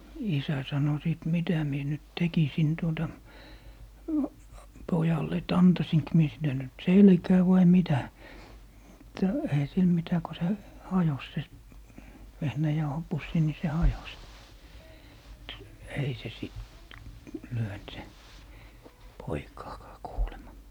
isä sanoi sitten mitä minä nyt tekisin tuota pojalle että antaisinko minä sille nyt selkään vai mitä mutta eihän sille mitä kun se hajosi se vehnäjauhopussi niin se hajosi mutta ei se sitten lyönyt se poikaakaan kuulemma